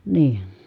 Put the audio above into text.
niin